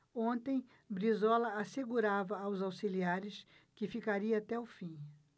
ontem brizola assegurava aos auxiliares que ficaria até o fim